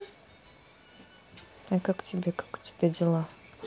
а как тебе как у тебя дела